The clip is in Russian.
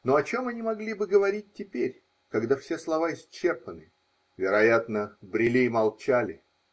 Но о чем они могли бы говорить теперь, когда все слова исчерпаны? Вероятно, брели и молчали.